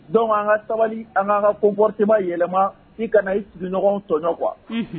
Dɔnku an ka sabali an'an ka kobma yɛlɛma i kana i siriɲɔgɔn tɔɲɔ kuwa